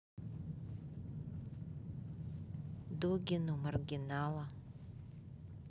дугин у маргинала